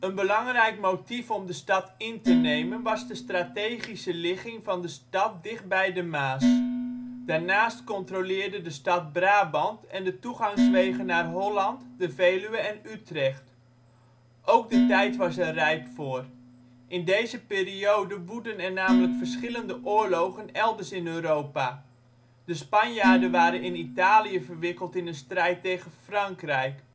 belangrijk motief om de stad in te nemen was de strategische ligging van de stad dichtbij de Maas. Daarnaast controleerde de stad Brabant en de toegangswegen naar Holland, de Veluwe en Utrecht. Ook de tijd was er rijp voor. In deze periode woedden er namelijk verschillende oorlogen elders in Europa. De Spanjaarden waren in Italië verwikkeld in een strijd tegen Frankrijk